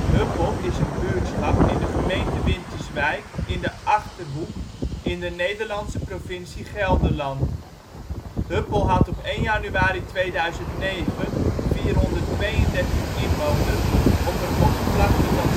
Huppel is een buurtschap in de gemeente Winterswijk, in de Achterhoek in de Nederlandse provincie Gelderland. Huppel had op 1 januari 2009 432 inwoners op een oppervlakte van